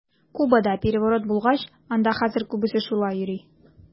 Кубада переворот булгач, анда хәзер күбесе шулай йөри.